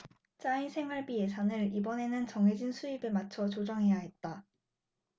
짜인 생활비 예산을 이번에는 정해진 수입에 맞춰 조정해야 했다